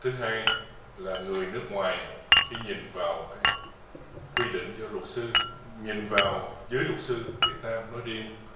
thứ hai là người nước ngoài khi nhìn vào quy định giữa luật sư nhìn vào giới luật sư việt nam nói riêng